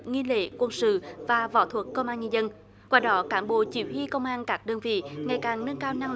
nghi lễ quân sự và võ thuật công an nhân dân qua đó cán bộ chỉ huy công an các đơn vị ngày càng nâng cao năng